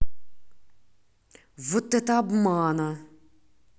вот это обмана